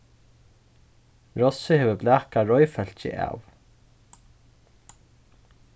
rossið hevur blakað reiðfólkið av